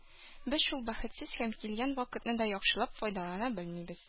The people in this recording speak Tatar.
Без шул бәхетсез һәм килгән вакытны да яхшылап файдалана белмибез.